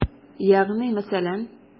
Ягъни мәсәлән?